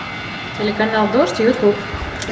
телеканал дождь ютуб